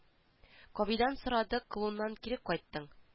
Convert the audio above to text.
Кавидан сорады колуннан кире кайттың